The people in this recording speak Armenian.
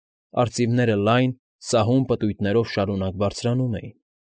Արծիվները լայն, սահուն պտույտներով շարունակ բարձրանում էին։